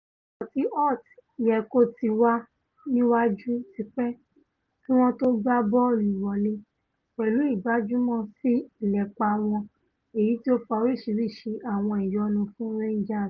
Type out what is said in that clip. Ìkọ ti Holt yẹ kóti wà níwájú tipẹ́ kí wọ́n tó gbá bọ́ọ̀lù wọlé, pẹ̀lú ìgbájúmọ́ sí ìlépa wọn èyití ó fa oŕiṣiriṣi àwọn ìyọnu fún Rangers.